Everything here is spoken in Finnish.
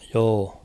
joo